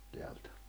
täältä